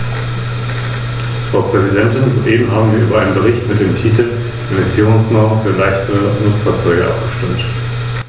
Drittens möchte ich anmerken, dass wir mit den Leitlinien im großen und ganzen einverstanden sind, soweit sie nicht von unseren Bemerkungen abweichen.